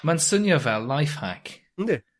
Ma'n swnio fel life hack. Yndi.